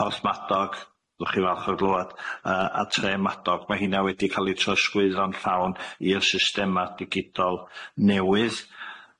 Porthmadog, ddwch chi falch o glywad yy a Tre Madog ma' hynna wedi ca'l eu trosglwyddo'n llawn i'r systema digidol newydd.